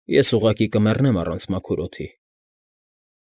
Ես ուղղակի կմեռնեմ առանց մաքուր օդի։